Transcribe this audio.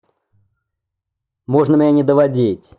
можно меня не доводить